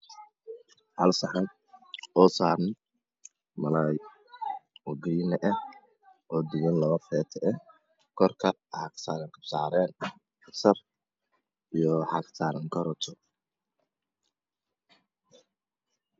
Hal saxan oo saaran malaay oo geriin ah oo duwan oo labo feeto eh korka wxaa ka saaran kabsarcaleen iyo karooto